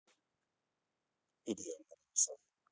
илья муромцев